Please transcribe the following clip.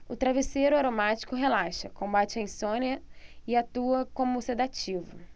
o travesseiro aromático relaxa combate a insônia e atua como sedativo